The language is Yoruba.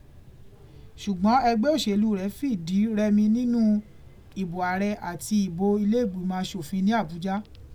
Ṣùgbọ́n ẹgbẹ́ òṣèlú rẹ̀ fìdí rẹmi nínú ìbò ààrẹ àti ìbò ilé ìgbìmọ̀ aṣòfin ní Àbújá.